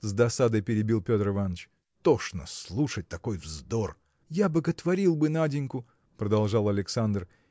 – с досадой перебил Петр Иваныч, – тошно слушать такой вздор! – Я боготворил бы Наденьку – продолжал Александр